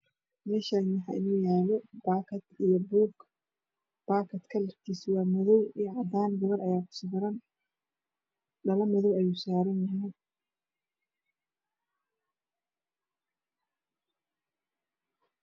Meshani waxa ino yalo bakad io buug bakadka kslarkis waa madow cadan gabar aya kusawiran dhalo madow ayew saran yahay